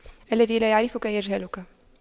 الذي لا يعرفك يجهلك